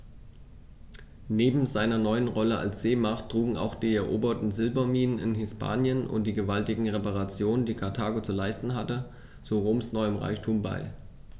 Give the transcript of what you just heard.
Neben seiner neuen Rolle als Seemacht trugen auch die eroberten Silberminen in Hispanien und die gewaltigen Reparationen, die Karthago zu leisten hatte, zu Roms neuem Reichtum bei.